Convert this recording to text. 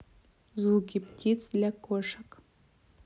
звуки птиц для кошек